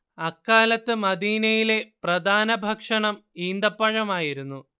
അക്കാലത്തെ മദീനയിലെ പ്രധാന ഭക്ഷണം ഈന്തപഴം ആയിരുന്നു